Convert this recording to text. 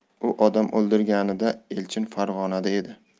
u odam o'ldirilganida elchin farg'onada edi